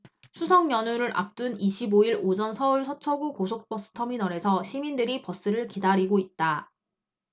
추석연휴를 앞둔 이십 오 일 오전 서울 서초구 고속버스터미널에서 시민들이 버스를 기다리고 있다